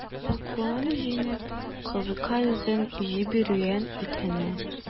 Куркуын җиңеп, кызыкай үзен җибәрүен үтенә.